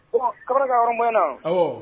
Kabaral ka rond point yɔrɔ la.